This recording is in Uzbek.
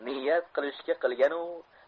niyat qilishga kilganu